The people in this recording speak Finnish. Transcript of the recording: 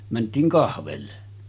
mentiin kahville